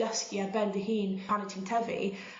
dysgu ar ben dy hun pan wt ti'n tyfu